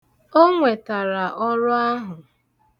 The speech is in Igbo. O nwetara ọrụ ahụ.